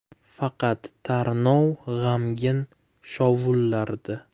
faqat tarnov g'amgin shovullardi